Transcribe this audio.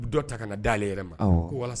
U bɛ dɔ ta ka dalenale yɛrɛ ma ko